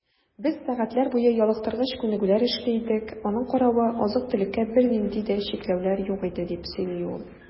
Без сәгатьләр буе ялыктыргыч күнегүләр эшли идек, аның каравы, азык-төлеккә бернинди дә чикләүләр юк иде, - дип сөйли ул.